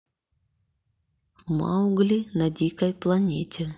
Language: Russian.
маугли на дикой планете